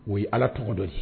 O ye ala tɔgɔ dɔ